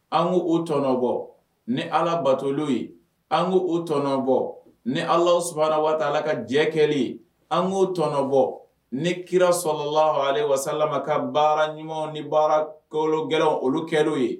An k' u tbɔ ni ala batolu ye an k u tɔnɔbɔ ni alaumana waala ka jɛ kɛ ye an k'o tbɔ ni kira sɔrɔlaale walasasala ma ka baara ɲuman ni baarakolo gɛlɛn olu kɛr ye